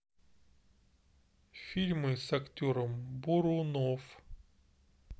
фильмы с актером бурунов